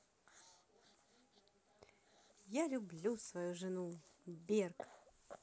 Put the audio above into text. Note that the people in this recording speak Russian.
я люблю свою жену берг